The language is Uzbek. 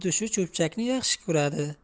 shu cho'pchakni yaxshi ko'radi